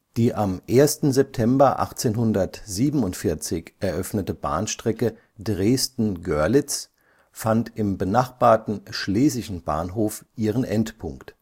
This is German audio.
Die am 1. September 1847 eröffnete Bahnstrecke Dresden – Görlitz fand im benachbarten Schlesischen Bahnhof ihren Endpunkt